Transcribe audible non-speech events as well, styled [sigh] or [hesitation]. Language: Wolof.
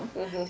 [hesitation] [hesitation]